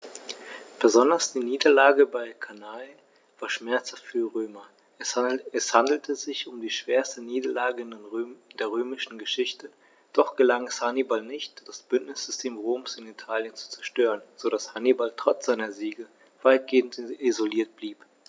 Besonders die Niederlage bei Cannae war schmerzhaft für die Römer: Es handelte sich um die schwerste Niederlage in der römischen Geschichte, doch gelang es Hannibal nicht, das Bündnissystem Roms in Italien zu zerstören, sodass Hannibal trotz seiner Siege weitgehend isoliert blieb.